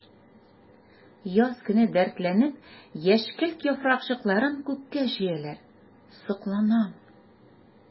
Яз көне дәртләнеп яшькелт яфракчыкларын күккә чөяләр— сокланам.